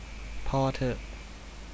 พอเถอะ